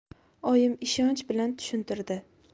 oyim ishonch bilan tushuntirdi